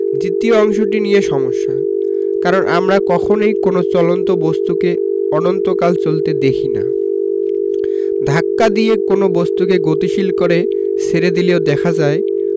দ্বিতীয় অংশটি নিয়ে সমস্যা কারণ আমরা কখনোই কোনো চলন্ত বস্তুকে অনন্তকাল চলতে দেখি না ধাক্কা দিয়ে কোনো বস্তুকে গতিশীল করে ছেড়ে দিলেও দেখা যায়